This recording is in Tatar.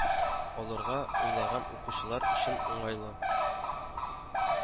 Алырга уйлаган укучылар өчен уңайлы